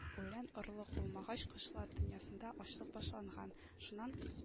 Үлән, орлык булмагач, кошлар дөньясында ачлык башланган. Шуннан